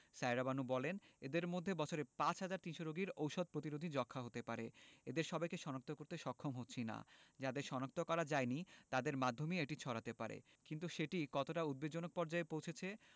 সায়েরা বানু বলেন এদের মধ্যে বছরে প্রায় ৫ হাজার ৩০০ রোগীর ওষুধ প্রতিরোধী যক্ষ্মা হতে পারে এদের সবাইকে শনাক্ত করতে সক্ষম হচ্ছি না যাদের শনাক্ত করা যায়নি তাদের মাধ্যমেই এটি ছড়াতে পারে কিন্তু সেটি কতটা উদ্বেগজনক পর্যায়ে পৌঁছেছে